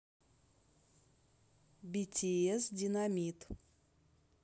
bts dynamite